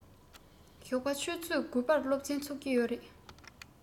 ཞོགས པ ཆུ ཚོད དགུ པར སློབ ཚན ཚུགས ཀྱི ཡོད རེད